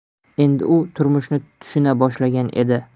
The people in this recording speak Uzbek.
endi u turmushni tushuna boshlagan edi